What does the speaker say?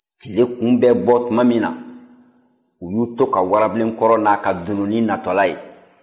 tile kun bɛ bɔ tuma min na u y'u to ka warabilenkɔrɔ n'a ka dununnin natɔla ye